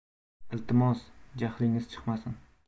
iltimos jahlingiz chiqmasin